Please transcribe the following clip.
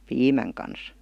piimän kanssa